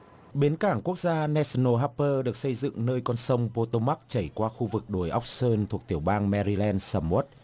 bến cảng quốc gia nây xừn nồ háp pơ được xây dựng nơi con sông pô tô mắc chảy qua khu vực đồi ốc sơn thuộc tiểu bang me ri an sầm uất